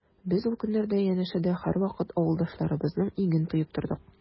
Без ул көннәрдә янәшәдә һәрвакыт авылдашларыбызның иңен тоеп тордык.